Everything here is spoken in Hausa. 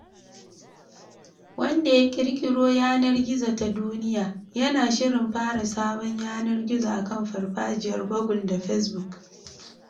Wanda ya kirkiro yanar gizo ta duniya yana shirin fara sabon yanar gizo akan farfajiyar google da facebook.